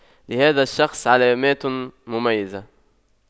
لهذا الشخص علامات مميزة